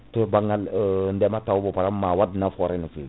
to banggal ndeema taw bo pa* ma wat nafoore no fewi